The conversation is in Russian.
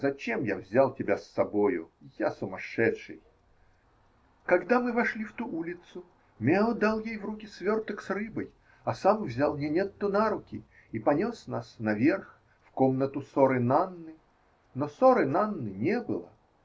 Зачем я взял тебя с собою, я сумасшедший?!" Когда мы вошли в ту улицу, Мео дал ей в руки сверток с рыбой, а сам взял Нинетту на руки и понес нас наверх, в комнату соры Нанны. Но соры Нанны не было.